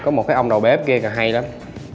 có một cái ông đầu bếp kia kìa hay lắm